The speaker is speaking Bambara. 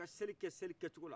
u ka seli ke seli kɛ cogo la